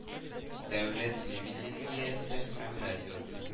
Дәүләт телевидениесе һәм радиосы